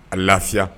A laafiya.